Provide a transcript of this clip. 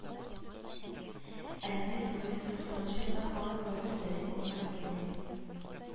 Ә мең тугыз йөз туксанынчы елда халык Роберт Сәлим улына үзенең